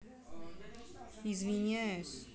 извиняюсь